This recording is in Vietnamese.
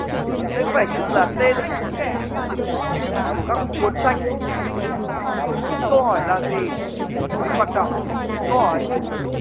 đây có vẻ như là tên của các cuốn sách nhưng câu hỏi là gì mới quan trọng câu hỏi